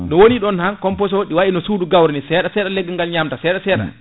ɗum woni ɗon ha composte o wayno suudu gawri ni seeɗa seeɗa leggal ngal ñamta seeɗa seeɗa